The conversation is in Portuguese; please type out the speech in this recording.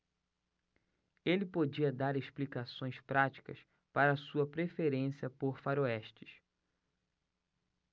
ele podia dar explicações práticas para sua preferência por faroestes